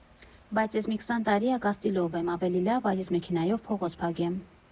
Բայց էս մի քսան տարի ա կաստիլով եմ, ավելի լավ ա ես մեքենայով փողոց փագեմ։